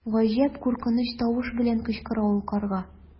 Гаҗәп куркыныч тавыш белән кычкыра ул карга.